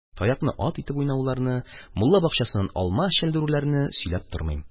Таякны ат итеп уйнауларны, мулла бакчасыннан алма чәлдерүләрне сөйләп тормыйм.